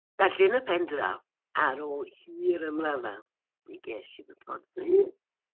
Felly yn y pendraw, ar ôl hir ymrafael, mi ges i fy ffordd fy hun.